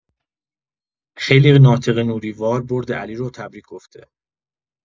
خیلی ناطق نوری‌وار برد علی رو تبریک گفته.